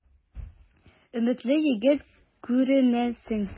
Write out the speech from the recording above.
Өметле егет күренәсең.